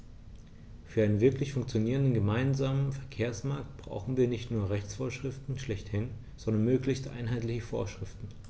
Für einen wirklich funktionierenden gemeinsamen Verkehrsmarkt brauchen wir nicht nur Rechtsvorschriften schlechthin, sondern möglichst einheitliche Vorschriften.